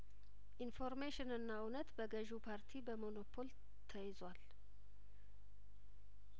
ኢንፎርሜሽንና እውነት በገዥው ፓርቲ በሞ ኖፓል ተይዟል